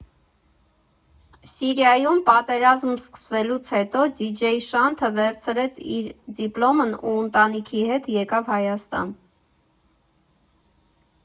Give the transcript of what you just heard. Սիրիայում պատերազմ սկսվելուց հետո դիջեյ Շանթը վերցրեց իր դիպլոմն ու ընտանիքի հետ եկավ Հայաստան։